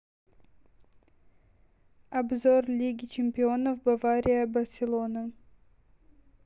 обзор лиги чемпионов бавария барселона